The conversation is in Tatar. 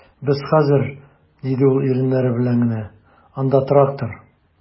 Без хәзер, - диде ул иреннәре белән генә, - анда трактор...